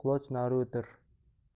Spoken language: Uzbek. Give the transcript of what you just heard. quloch nari o'tir